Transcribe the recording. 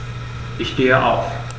Ich stehe auf.